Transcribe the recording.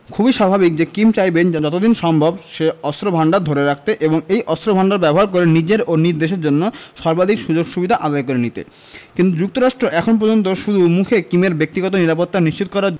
খুবই স্বাভাবিক যে কিম চাইবেন যত দিন সম্ভব সে অস্ত্রভান্ডার ধরে রাখতে এবং এই অস্ত্রভান্ডার ব্যবহার করে নিজের ও নিজ দেশের জন্য সর্বাধিক সুযোগ সুবিধা আদায় করে নিতে কিন্তু যুক্তরাষ্ট্র এখন পর্যন্ত শুধু মুখে কিমের ব্যক্তিগত নিরাপত্তা নিশ্চিত করার